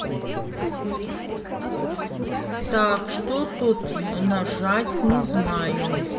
так что тут нажать не знаю